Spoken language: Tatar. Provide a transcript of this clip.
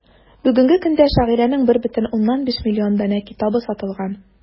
Бүгенге көндә шагыйрәнең 1,5 миллион данә китабы сатылган.